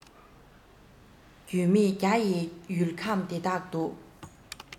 རྒྱུས མེད རྒྱ ཡི ཡུལ ཁམས འདི དག ཏུ